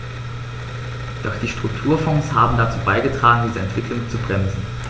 Doch die Strukturfonds haben dazu beigetragen, diese Entwicklung zu bremsen.